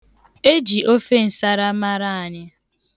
E ji ofe nsara mara anyị.